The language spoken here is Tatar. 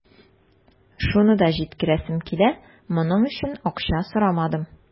Шуны да җиткерәсем килә: моның өчен акча сорамадым.